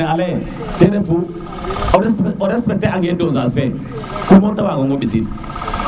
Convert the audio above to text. kene ale ten refu o recpecter te a nge dosage fe kom nu te waago nga mbisid